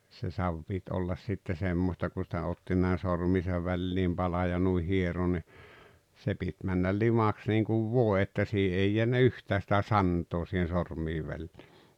se savi piti olla sitten semmoista kun sitä otti näin sormiensa väliin palan ja noin hieroi niin se piti mennä limaksi niin kuin voi että siinä ei jäänyt yhtään sitä santaa siihen sormien väliin